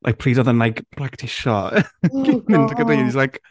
Like pryd oedd e yn like practisio